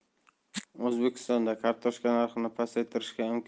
o'zbekistonda kartoshka narxini pasaytirishga imkon